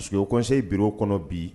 Puisque o conseil bureau kɔnɔ bi